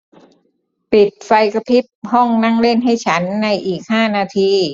ปิดไฟกระพริบห้องนั่งเล่นให้ฉันในอีกห้านาที